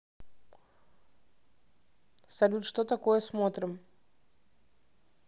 салют что такое смотрим